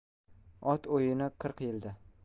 ot o'yini qirq yilda